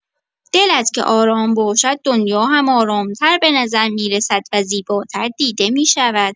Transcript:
دلت که آرام باشد دنیا هم آرام‌تر به نظر می‌رسد و زیباتر دیده می‌شود.